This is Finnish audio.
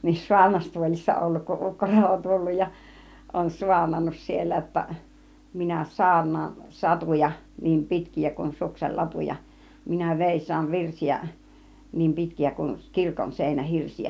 niin saarnastuolissa ollut kun ukko Relo tullut ja on saarnannut siellä jotta minä saarnaan satuja niin pitkiä kuin suksen latuja minä veisaan virsiä niin pitkiä kuin kirkon - seinähirsiä